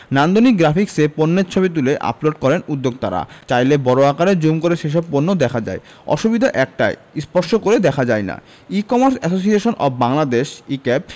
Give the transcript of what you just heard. নান্দনিক গ্রাফিকসে পণ্যের ছবি তুলে আপলোড করেন উদ্যোক্তারা চাইলে বড় আকারে জুম করে সেসব পণ্য দেখা যায় অসুবিধা একটাই স্পর্শ করে দেখা যায় না e commerce association of Bangladesh e cab